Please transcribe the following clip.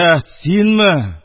Синме?..